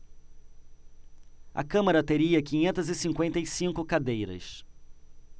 a câmara teria quinhentas e cinquenta e cinco cadeiras